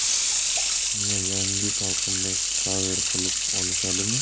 nima yangi talqinda 'cover' qilib olishadimi